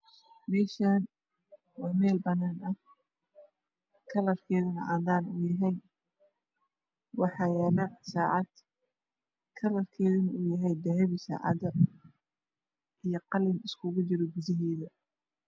Meeshan waa meel banaan ah waxaa yaalo sacad waana meel cadaan ah sacadda kalarkeda waa hadabi iyo qalin isku jiro